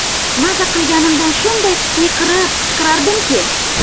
maza qilganimdan shunday qiyqirib qichqirardimki